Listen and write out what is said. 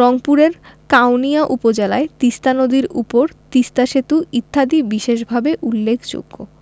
রংপুরের কাউনিয়া উপজেলায় তিস্তা নদীর উপর তিস্তা সেতু ইত্যাদি বিশেষভাবে উল্লেখযোগ্য